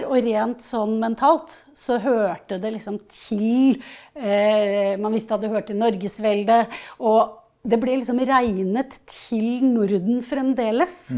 og rent sånn mentalt så hørte det liksom til man visste at det hørte til Norgesveldet og det ble liksom regnet til Norden fremdeles.